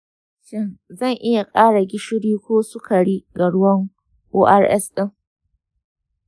shin zan iya ƙara gishiri ko sukari ga ruwan ors ɗin?